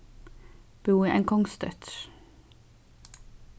búði ein kongsdóttir